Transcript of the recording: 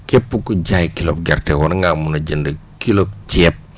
képp ku jaay kilo gerte war ngaa mun a jënd kilo ceeb